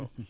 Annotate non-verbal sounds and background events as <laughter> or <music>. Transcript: <hesitation> <hesitation>